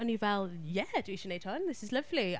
O'n i fel, ie, dwi isie wneud hwn, this is lovely.